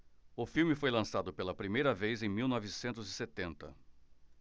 o filme foi lançado pela primeira vez em mil novecentos e setenta